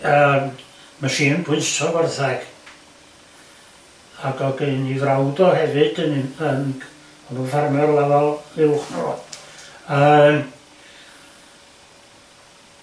yym machine pwyso gwarthag ag o'dd gyn i frawd o hefyd yn un- yn g- oedd hwnnw'n ffarmio'r rwla uwch na fo yym